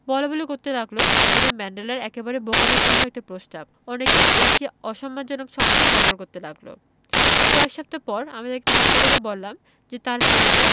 বলাবলি করতে লাগল এটা ম্যান্ডেলার একেবারে বোকামিপূর্ণ একটা প্রস্তাব অনেকে এর চেয়ে অসম্মানজনক শব্দ ব্যবহার করতে লাগল কয়েক সপ্তাহ পর আমি তাঁকে ঠাট্টা করে বললাম যে তাঁর প্রস্তাব